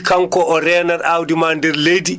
kanko o reenat aawdi maa ndeer leydi